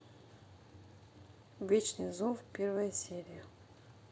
вечный зов первая серия